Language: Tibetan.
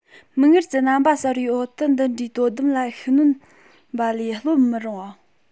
མིག སྔར གྱི རྣམ པ གསར བའི འོག ཏུ འདི འདྲའི དོ དམ ལ ཤུགས སྣོན པ ལས ལྷོད མི རུང ངོ